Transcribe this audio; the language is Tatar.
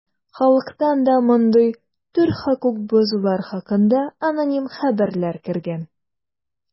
Халыктан да мондый төр хокук бозулар хакында аноним хәбәрләр кергән.